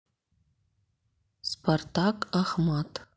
спартак ахмат